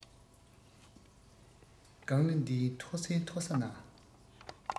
ལྒང ལི འདིའི མཐོ སའི མཐོ ས ན